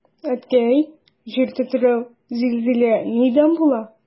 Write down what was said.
Әткәй, җир тетрәү, зилзилә нидән була?